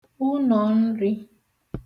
ụnọ̀nrī